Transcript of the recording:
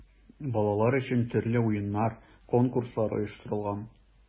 Балалар өчен төрле уеннар, конкурслар оештырылган.